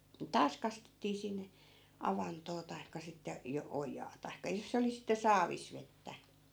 taas kastettiin sinne avantoon tai sitten - ojaa tai jos se oli sitten saavissa vettä